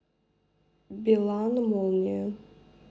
билан молния